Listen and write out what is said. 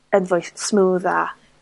yn fwy smooth a...